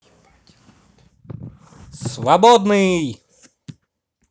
свободный